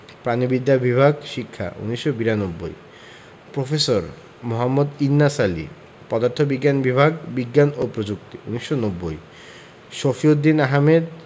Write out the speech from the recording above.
প্রাণিবিদ্যা বিভাগ শিক্ষা ১৯৯২ প্রফেসর মোঃ ইন্নাস আলী পদার্থবিজ্ঞান বিভাগ বিজ্ঞান ও প্রযুক্তি ১৯৯০ শফিউদ্দীন আহমেদ